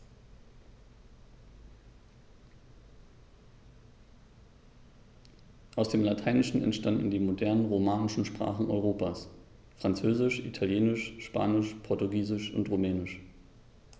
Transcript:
Aus dem Lateinischen entstanden die modernen „romanischen“ Sprachen Europas: Französisch, Italienisch, Spanisch, Portugiesisch und Rumänisch.